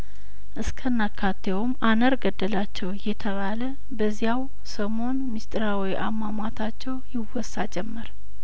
እስከናካቴውም አነር ገደላቸው እየተባለ በዚያው ሰሞን ሚስጢራዊ አሟሟታቸው ይወሳ ጀመር